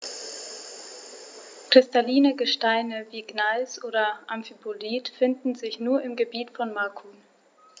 Kristalline Gesteine wie Gneis oder Amphibolit finden sich nur im Gebiet von Macun.